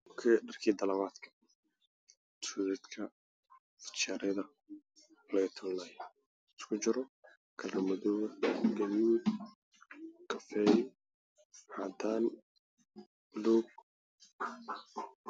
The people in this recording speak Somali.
Halkan waxyalo dharka laga tolo futa sharka io suudka iskukujiro madow gadud kafey cadan baluug